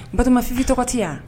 Balimafin tɔgɔ tɛ yan